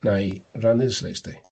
Wnâi rannu dy sleids di.